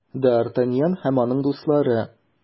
Д’Артаньян һәм аның дуслары.